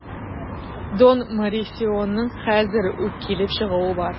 Дон Морисионың хәзер үк килеп чыгуы бар.